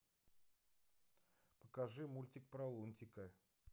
покажите мультик про лунтика